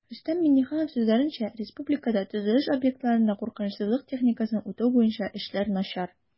Рөстәм Миңнеханов сүзләренчә, республикада төзелеш объектларында куркынычсызлык техникасын үтәү буенча эшләр начар